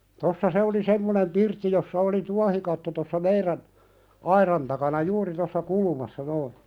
tuossa se oli semmoinen pirtti jossa oli tuohikatto tuossa meidän aidan takana juuri tuossa kulmassa noin